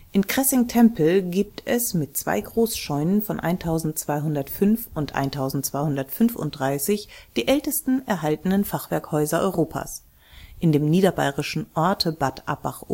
In Cressing Temple gibt es mit zwei Großscheunen von 1205 und 1235 die ältesten erhaltenen Fachwerkhäuser Europas; und mit dem niederbayrischen Bad Abbach-Oberndorf